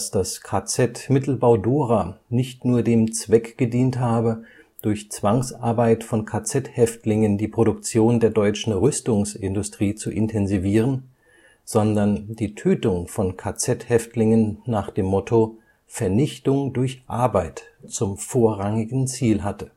das KZ Mittelbau-Dora nicht nur dem Zweck gedient habe, durch Zwangsarbeit von KZ-Häftlingen die Produktion der deutschen Rüstungsindustrie zu intensivieren, sondern die Tötung von KZ-Häftlingen nach dem Motto Vernichtung durch Arbeit zum vorrangigen Ziel hatte